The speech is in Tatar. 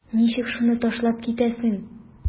Ничек шуны ташлап китәсең?